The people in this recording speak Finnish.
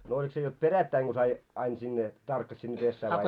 no oliko se jotta perättäin kun sai aina sinne tarkkasi sinne pesään vai